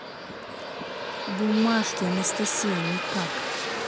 бумажки анастасия никак